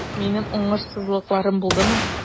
Минем уңышсызлыкларым булдымы?